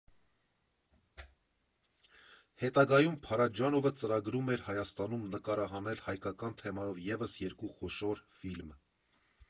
Հետագայում Փարաջանովը ծրագրում էր Հայաստանում նկարահանել հայկական թեմայով ևս երկու խոշոր ֆիլմ.